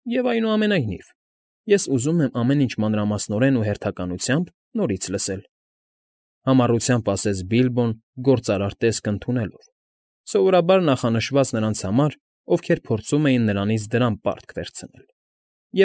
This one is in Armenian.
Եվ, այունամենայնիվ, ես ուզում եմ ամեն ինչ մանրամասնորեն ու հերթականությամբ նորից լսել, ֊ համառությամբ ասաց Բիլբոն գործարար տեսք ընդունելով (սովորաբար նախանշված նրանց համար, ովքեր փորձում էին նրանից դրամ պարտք վերցնել) և։